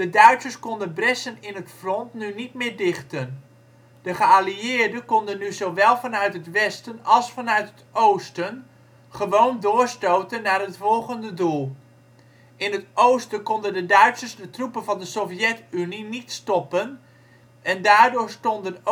Duitsers konden bressen in het front nu niet meer dichten; de geallieerden konden nu zowel vanuit het westen als vanuit het oosten gewoon doorstoten naar het volgende doel. In het oosten konden de Duitsers de troepen van de Sovjet-Unie niet stoppen en daardoor stonden